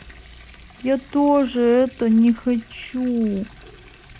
я тоже это не хочу